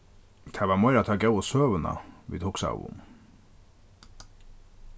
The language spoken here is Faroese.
tað var meira ta góðu søguna vit hugsaðu um